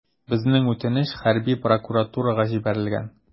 Безнең үтенеч хәрби прокуратурага җибәрелгән.